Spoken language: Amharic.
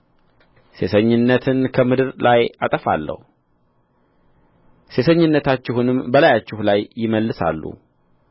ሴሰኝነትን ከምድር ላይ አጠፋለሁ ሴሰኝነታችሁንም በላያችሁ ላይ ይመልሳሉ